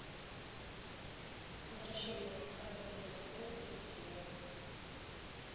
возвращение мухтара первый сезон третья серия